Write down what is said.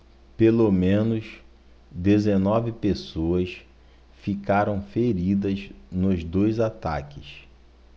pelo menos dezenove pessoas ficaram feridas nos dois ataques